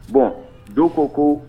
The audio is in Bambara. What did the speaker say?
Bɔn dɔw ko ko